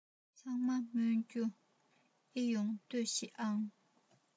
ཚང མས སྨོན རྒྱུ ཨེ ཡོང ལྟོས ཤིག ཨང